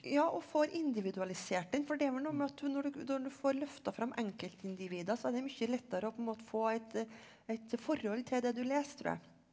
ja og får individualisert den for det er vel noe med at du når du får løfta fram enkeltindivider så er det mye lettere og på en måte få et et forhold til det du leser tror jeg.